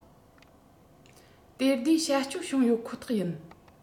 ལྟོས ཟླའི བྱ སྤྱོད བྱུང ཡོད ཁོ ཐག ཡིན